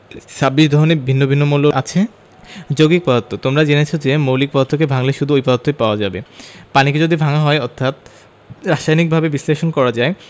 ২৬ ধরনের ভিন্ন ভিন্ন মৌল আছে যৌগিক পদার্থ তোমরা জেনেছ যে মৌলিক পদার্থকে ভাঙলে শুধু ঐ পদার্থই পাওয়া যাবে পানিকে যদি ভাঙা হয় অর্থাৎ রাসায়নিকভাবে বিশ্লেষণ করা যায়